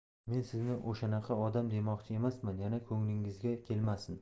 men sizni o'shanaqa odam demoqchi emasman yana ko'nglingizga kelmasin